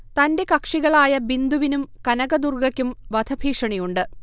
തന്റെ കക്ഷികളായ ബിന്ദുവിനും കനക ദുർഗക്കും വധഭീഷണിയുണ്ട്